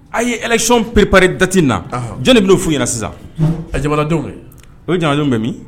A' ye élection préparé date in na. Ɔhɔn. Jɔn de bɛ n'o f'u ɲana sisan? Ɛ jamanadenw kɛ. O jamanadenw bɛ min?